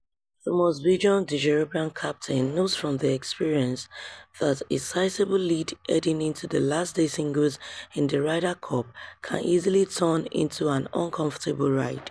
Thomas Bjorn, the European captain, knows from experience that a sizeable lead heading into the last-day singles in the Ryder Cup can easily turn into an uncomfortable ride.